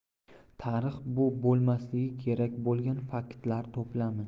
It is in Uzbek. tarix bu bo'lmasligi kerak bo'lgan faktlar to'plami